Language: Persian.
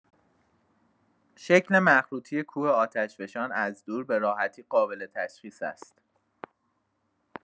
شکل مخروطی کوه آتشفشان از دور به راحتی قابل‌تشخیص است.